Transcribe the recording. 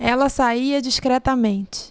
ela saía discretamente